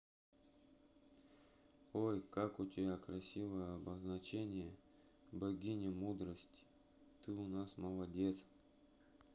ой как у тебя красивое обозначение богиня мудрости ты у нас молодец